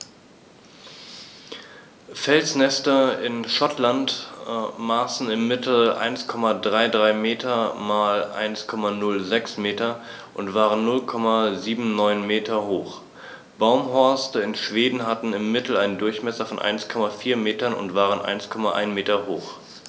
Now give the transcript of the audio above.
Felsnester in Schottland maßen im Mittel 1,33 m x 1,06 m und waren 0,79 m hoch, Baumhorste in Schweden hatten im Mittel einen Durchmesser von 1,4 m und waren 1,1 m hoch.